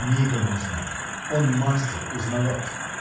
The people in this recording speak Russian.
– Мигом узнает: он мастер узнавать.